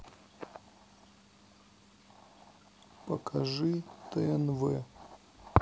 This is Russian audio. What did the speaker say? покажи тнв